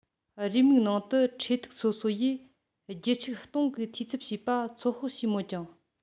རེའུ མིག ནང དུ འཕྲེད ཐིག སོ སོ ཡིས རྒྱུད ཆིག སྟོང གི འཐུས ཚབ བྱས པ ཚོད དཔག བྱས མོད ཀྱང